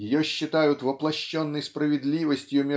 ее считают воплощенной справедливостью